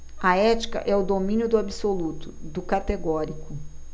a ética é o domínio do absoluto do categórico